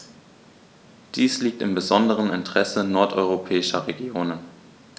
Dies liegt im besonderen Interesse nordeuropäischer Regionen.